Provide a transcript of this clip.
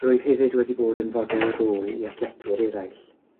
Rwyf hefyd wedi bod yn fodel rôl i athletwyr eraill.